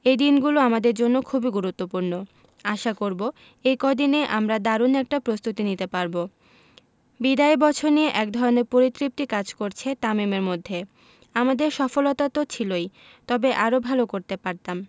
এই দিনগুলো আমাদের জন্য খুবই গুরুত্বপূর্ণ আশা করব এই কদিনে আমরা দারুণ একটা প্রস্তুতি নিতে পারব বিদায়ী বছর নিয়ে একধরনের পরিতৃপ্তি কাজ করছে তামিমের মধ্যে আমাদের সফলতা তো ছিলই তবে আরও ভালো করতে পারতাম